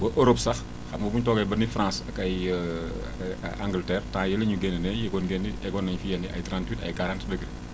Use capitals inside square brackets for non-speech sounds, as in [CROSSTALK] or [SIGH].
ba Europe sax xam nga bu ñu toogee ba ni France ak ay [HESITATION] Angleterre temps yële ñu génnoon dañoo yëgoon ngeen ni eggoon nañu fi yenn ay 38 ay 40 degré